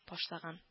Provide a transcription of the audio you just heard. Башлаган